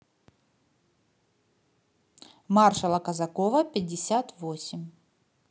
маршала казакова пятьдесят восемь